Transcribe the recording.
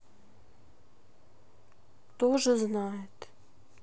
тоже знает